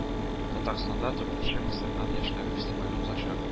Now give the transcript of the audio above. Татарстанда дүртенче мөселман яшьләре фестивале узачак